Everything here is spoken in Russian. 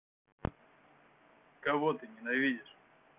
кого ты ненавидишь